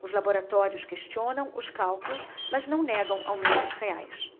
os laboratórios questionam os cálculos mas não negam aumentos reais